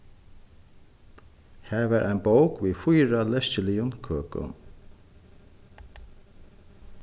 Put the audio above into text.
har var ein bók við fýra leskiligum køkum